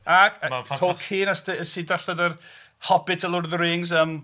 Ag Tolkien a s- os ti di darllen yr Hobbit a Lord of the Rings yym.